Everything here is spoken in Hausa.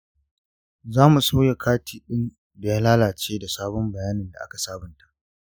za mu sauya kati ɗin da ya lalace da sabon bayanin da aka sabunta.